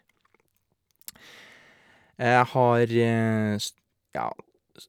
Jeg har, s ja, s...